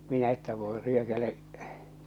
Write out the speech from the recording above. minä että voi ryökäle